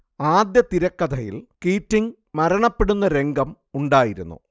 ആദ്യ തിരക്കഥയിൽ കീറ്റിംഗ് മരണപ്പെടുന്ന രംഗം ഉണ്ടായിരുന്നു